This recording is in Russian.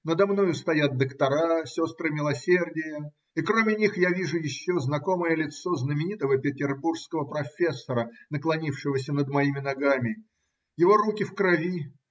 Надо мною стоят доктора, сестры милосердия, и, кроме них, я вижу еще знакомое лицо знаменитого петербургского профессора, наклонившегося над моими ногами. Его руки в крови.